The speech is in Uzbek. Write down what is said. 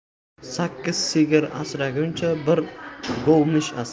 sakkiz sigir asraguncha bir govmish asra